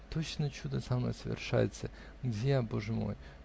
точно чудо со мной совершается. Где я, боже мой?